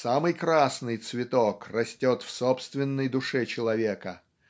самый красный цветок растет в собственной душе человека.